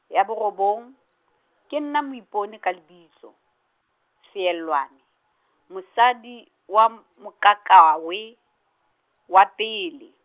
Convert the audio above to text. ya borobong, ke nna Moiponi ka lebitso, feelwane, Mosadi wa Mokakawe wa pele.